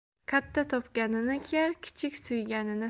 katta topganini kiyar kichik suyganini